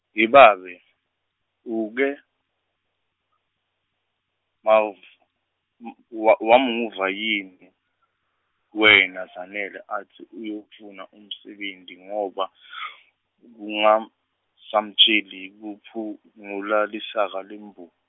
yebabe uke, ma- wa wamuva yini , wena Zanele atsi uyofuna umsebenti ngoba , kungasamtjeli kuphungula lisaka lemphu-.